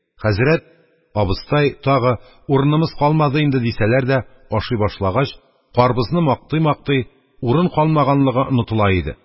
Хәзрәт, абыстай тагы: «Урынымыз калмады инде», – дисәләр дә, ашый башла- 279 гач, карбызны мактый-мактый, урын калмаганлыгы онытыла иде.